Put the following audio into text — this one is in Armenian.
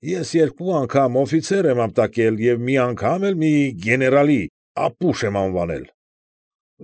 Ես երկու անգամ օֆիցեր եմ ապտակել և մի անգամ էլ մի գեներալի ապուշ անվանել։